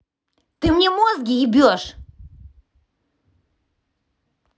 ты мне мозги ебешь